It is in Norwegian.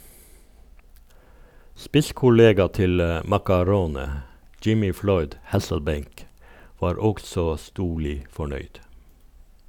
Spisskollega til Maccarone, Jimmy Floyd Hasselbaink var også storlig fornøyd.